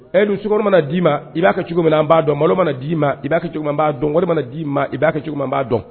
Edu cogoko mana na d'i ma i b'a kɛ cogo min b' dɔn malo mana na d'i ma i b'a kɛ cogo b'a dɔn walima mana d'i ma i b'a kɛ cogoman b'a dɔn